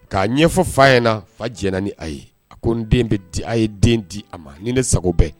K'a ɲɛfɔ fa ɲɛna fa jɛnna ni a ye a ko n den bɛ di a ye den di a ma ni ne sago bɛ